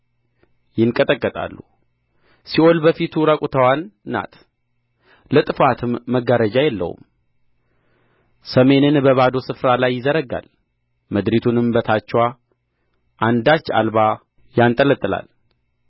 ይንቀጠቀጣሉ ሲኦል በፊቱ ራቁትዋን ናት ለጥፋትም መጋረጃ የለውም ሰሜንን በባዶ ስፍራ ላይ ይዘረጋል ምድሪቱንም በታችዋ አንዳች አልባ ያንጠለጥላል